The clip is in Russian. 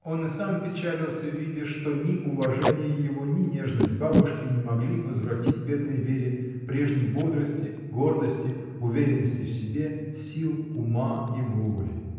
Он и сам печалился, видя, что ни уважение его, ни нежность бабушки — не могли возвратить бедной Вере прежней бодрости, гордости, уверенности в себе, сил ума и воли.